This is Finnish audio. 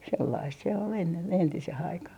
sellaista se oli ennen entiseen aikaan